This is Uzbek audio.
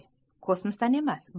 kosmosdan emas